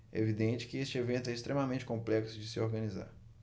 é evidente que este evento é extremamente complexo de se organizar